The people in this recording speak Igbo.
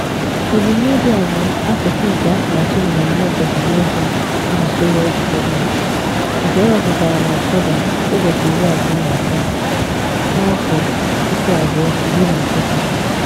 Ebumnobi a bụ akụkụ nke atụmatụ mmemme teknụzụ asụsụ Welsh gọọmentị, nke ewepụtara na Ọktoba 23, 2018.